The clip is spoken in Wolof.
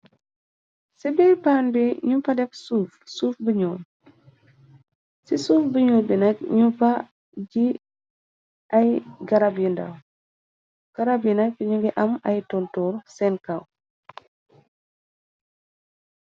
Ci birpaan bi ñu fa def suufsuuf biu ci suuf biñu binak ñu fa ji ay garab yindaw garab yinak y iñu ngi am ay tontoor seen kaw.